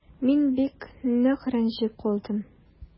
Мин бик нык рәнҗеп калдым.